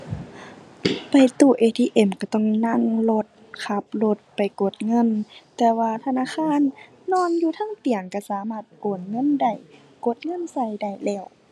ไปตู้ ATM ก็ต้องนั่งรถขับรถไปกดเงิน แต่ว่าธนาคารนอนอยู่เทิงเตียงก็สามารถโอนเงินได้ กดเงินก็ได้แล้ว